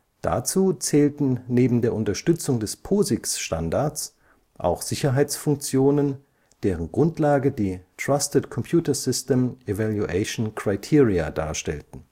Dazu zählten neben der Unterstützung des POSIX-Standards auch Sicherheitsfunktionen, deren Grundlage die Trusted Computer System Evaluation Criteria darstellten